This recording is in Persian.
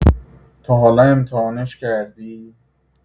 تا حالا امتحانش کردی؟